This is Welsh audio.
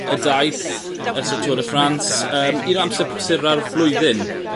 y daith ers y Tour de France yym un o amser prysura'r flwyddyn.